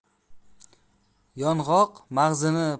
yong'oq mag'zini po'st